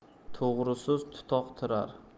to'g'ri so'z tutoqtirar